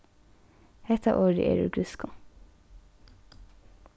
hetta orðið er úr grikskum